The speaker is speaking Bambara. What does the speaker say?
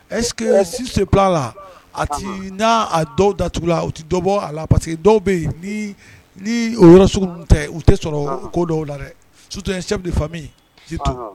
Ɛseke si bila la a n' dɔw daugu la u tɛ dɔwbɔ a la parce que dɔw bɛ yen yɔrɔ tɛ u tɛ sɔrɔ ko dɔw la dɛ su sɛ fa to